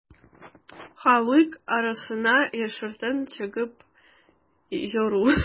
Халык арасына яшертен чыгып йөрү.